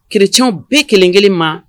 Chrétiens bɛ kelenkelen ma